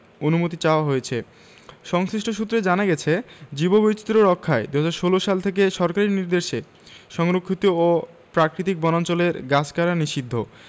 অনুমতি চাওয়া হয়েছে সংশ্লিষ্ট সূত্রে জানা গেছে জীববৈচিত্র্য রক্ষায় ২০১৬ সাল থেকে সরকারি নির্দেশে সংরক্ষিত ও প্রাকৃতিক বনাঞ্চলের গাছ কাটা নিষিদ্ধ